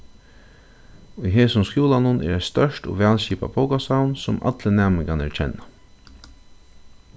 í hesum skúlanum er eitt stórt og væl skipað bókasavn sum allir næmingarnir kenna